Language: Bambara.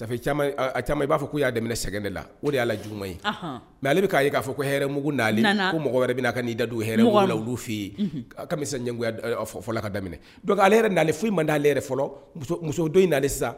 I b'a fɔ ko y'a daminɛ sɛgɛn de la o de y' juguuma ye mɛ ale bɛ k'a ye k'a ko hɛrɛɛm muguugu'len ko mɔgɔ wɛrɛ bɛna na ka' da don hɛrɛɛ olu f'i ye kamigoya fɔla ka daminɛ ale yɛrɛ na fo ma da'ale yɛrɛ fɔlɔ muso dɔ in nali sisan